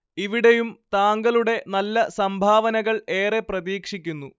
ഇവിടെയും താങ്കളുടെ നല്ല സംഭാവനകൾ ഏറെ പ്രതീക്ഷിക്കുന്നു